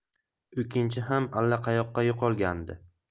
o 'kinchi ham allaqayoqqa yo'qolgandi